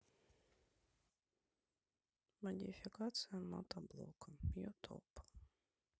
модификация мотоблока ютуб